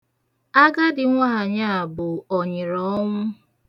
Agadị nwaanyị a bụ ọ̀nyị̀rọ̀ọnwụ.